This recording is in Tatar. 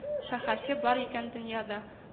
Шәһәрче бар икән дөньяда